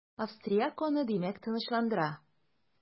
Австрияк аны димәк, тынычландыра.